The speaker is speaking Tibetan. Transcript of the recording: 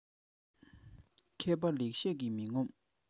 མཁས པ ལེགས བཤད ཀྱིས མི ངོམས